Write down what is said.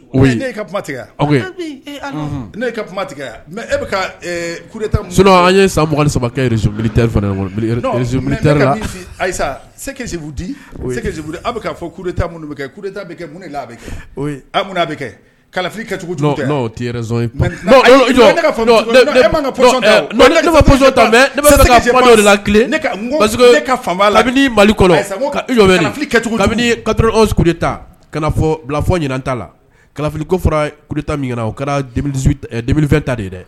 O ka tigɛ ne ka mɛ e bɛ an ye san m sabakɛ fɔ bɛ kɛ kalifacogoz la mali tafɔ bilafɔ ɲinin tta la kalifali ko fɔrata o kɛrafɛn ta de ye dɛ